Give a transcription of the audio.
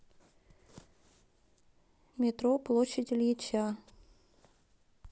метро площадь ильича